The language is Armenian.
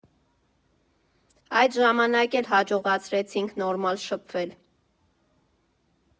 Այդ ժամանակ էլ հաջողացրեցինք նորմալ շփվել։